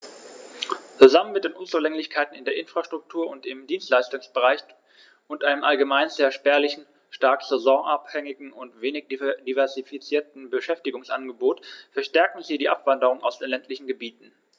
Zusammen mit den Unzulänglichkeiten in der Infrastruktur und im Dienstleistungsbereich und einem allgemein sehr spärlichen, stark saisonabhängigen und wenig diversifizierten Beschäftigungsangebot verstärken sie die Abwanderung aus den ländlichen Gebieten.